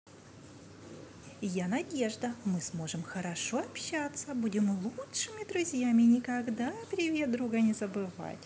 я надежда мы сможем хорошо общаться будем лучшими друзьями и никогда привет друга не забывать